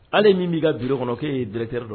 Ale min b'i ka bila kɔnɔ e y' ye dɛrɛ dɔ dɔn